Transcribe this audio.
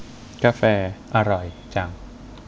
กาแฟอร่อยจัง